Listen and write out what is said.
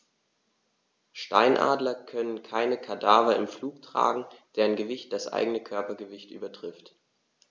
Steinadler können keine Kadaver im Flug tragen, deren Gewicht das eigene Körpergewicht übertrifft.